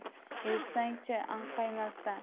yursang chi anqaymasdan